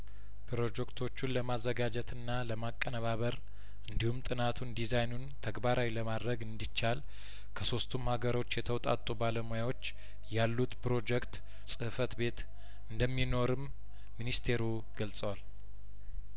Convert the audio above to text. ፕሮጀክቶቹን ለማዘጋጀትና ለማቀነባበር እንዲሁም ጥናቱን ዲዛይኑን ተግባራዊ ለማድረግ እንዲቻል ከሶስቱም ሀገሮች የተውጣጡ ባለሙያዎች ያሉት ፕሮጀክት ጽህፈት ቤት እንደሚኖርም ሚኒስቴሩ ገልጸዋል